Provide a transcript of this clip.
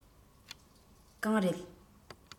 གང རེད